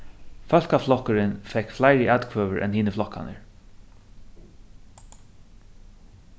fólkaflokkurin fekk fleiri atkvøður enn hinir flokkarnir